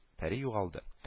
Пәри югалды